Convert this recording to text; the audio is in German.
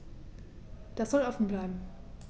Das soll offen bleiben.